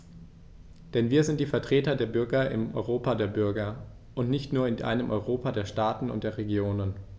Denn wir sind die Vertreter der Bürger im Europa der Bürger und nicht nur in einem Europa der Staaten und der Regionen.